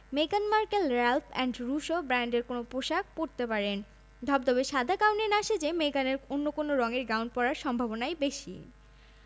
মেগান Markle Ralph and Russo ব্র্যান্ডের কোনো পোশাক পরতে পারেন ধবধবে সাদা গাউনে না সেজে মেগানের অন্য কোন রঙের গাউন পরার সম্ভাবনাই বেশি